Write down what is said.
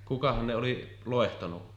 kukahan ne oli loihtinut